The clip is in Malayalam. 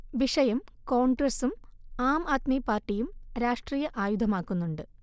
വിഷയം കോൺഗ്രസും ആംആദ്മി പാർട്ടിയും രാഷ്ട്രീയ ആയുധമാക്കുന്നുണ്ട്